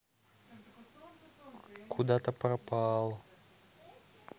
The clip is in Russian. куда то пропал